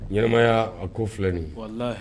Yɛlɛmamaya, a ko filɛ nin, ye wallahi